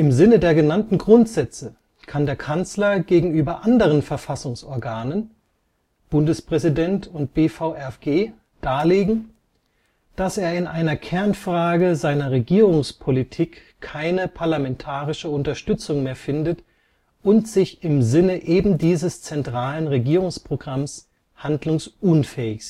Sinne der genannten Grundsätze kann der Kanzler gegenüber anderen Verfassungsorganen (Bundespräsident und BVerfG) darlegen, dass er in einer Kernfrage seiner Regierungspolitik keine parlamentarische Unterstützung mehr findet und sich im Sinne ebendieses zentralen Regierungsprogramms handlungsunfähig